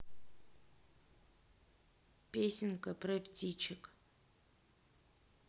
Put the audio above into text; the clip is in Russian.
песенка про птичек